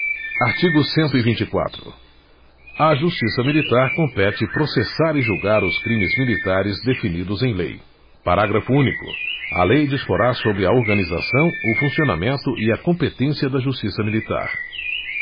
artigo cento e vinte e quatro à justiça militar compete processar e julgar os crimes militares definidos em lei parágrafo único a lei disporá sobre a organização o funcionamento e a competência da justiça militar